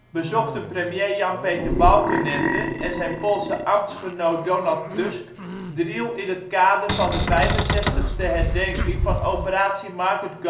bezochten premier Jan Peter Balkenende en zijn Poolse ambtsgenoot Donald Tusk Driel in het kader van de vijfenzestigste herdenking van Operatie Market